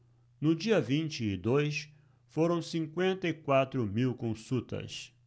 no dia vinte e dois foram cinquenta e quatro mil consultas